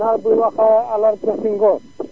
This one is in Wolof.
Naar bi wax alarba si ngoon